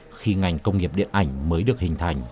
khi ngành công nghiệp điện ảnh mới được hình thành